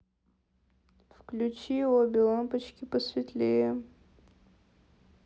включи обе лампочки посветлее